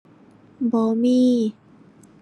บ่มี